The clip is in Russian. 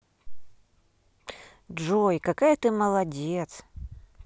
джой какая ты молодец